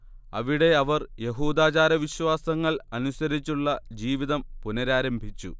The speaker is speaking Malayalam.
അവിടെ അവർ യഹൂദാചാരവിശ്വാസങ്ങൾ അനുസരിച്ചുള്ള ജീവിതം പുനരാരംഭിച്ചു